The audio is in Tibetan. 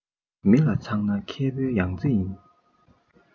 མི ལ ཚང ན མཁས པའི ཡང རྩེ ཡིན